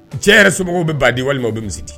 Cɛ yɛrɛ sababumɔgɔww bɛ ba di walimaw bɛ misi di